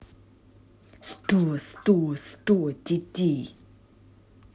сто сто сто тетей